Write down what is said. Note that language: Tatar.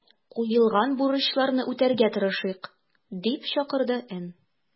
Куелган бурычларны үтәргә тырышыйк”, - дип чакырды Н.